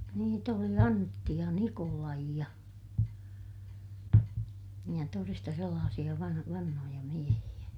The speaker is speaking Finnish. niitä oli Antti ja Nikolai ja ja todesta sellaisia - vanhoja miehiä